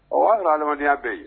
Ɔ an ni adamaya bɛ yen